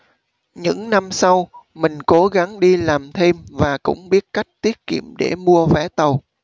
những năm sau mình cố gắng đi làm thêm và cũng biết cách tiết kiệm để mua vé tàu